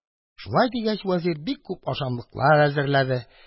Шулай дигәч, вәзир бик күп ашамлыклар әзерләде.